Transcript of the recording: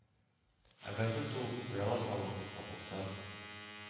Ә бәхет ул - пыяла савыт, ватылса